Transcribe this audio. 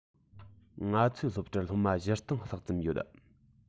ང ཚོའི སློབ གྲྭར སློབ མ ༤༠༠༠ ལྷག ཙམ ཡོད